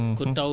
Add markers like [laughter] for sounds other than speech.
[hesitation] [hesitation]